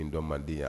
N dɔ mandenya yan